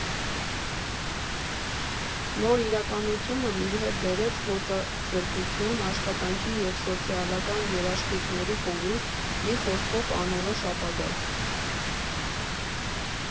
Նոր իրականությունն իր հետ բերեց գործազրկություն, աշխատանքի և սոցիալական երաշխիքների կորուստ, մի խոսքով, անորոշ ապագա։